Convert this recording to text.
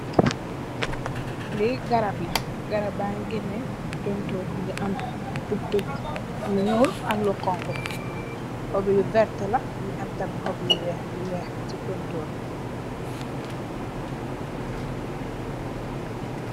Lii garap la, garap bangi genee tontoor yu am tup tup yu ñuul ak lu xonxu, xob yu verta la, mungi am tamit xob yu weeh si tontoor bi.